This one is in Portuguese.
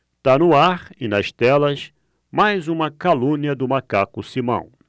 tá no ar e nas telas mais uma calúnia do macaco simão